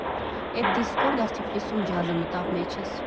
Էդ դիսկով դեռ Թիֆլիսում ջազը մտավ մեջս։